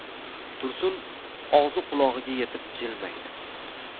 tursun og'zi qulog'iga yetib jilmaydi